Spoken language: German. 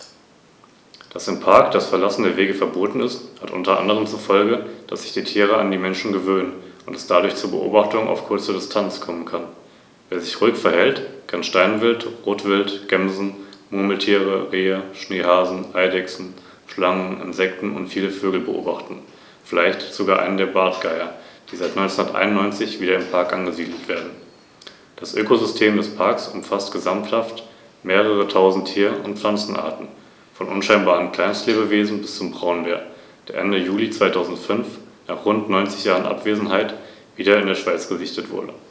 Auf Grund der unterschiedlichen Färbung war bis ca. 1900 auch die Bezeichnung Goldadler für ausgewachsene Steinadler gebräuchlich.